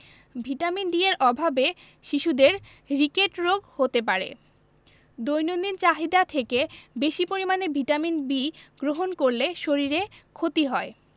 vitamin D এর অভাবে শিশুদের রিকেট রোগ হতে পারে দৈনিক চাহিদা থেকে বেশী পরিমাণে ভিটামিন B গ্রহণ করলে শরীরের ক্ষতি হয়